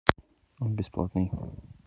он бесплатный